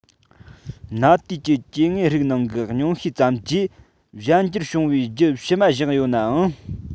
གནའ དུས ཀྱི སྐྱེ དངོས རིགས ནང གི ཉུང ཤས ཙམ གྱིས གཞན འགྱུར བྱུང བའི རྒྱུད ཕྱི མ བཞག ཡོད ནའང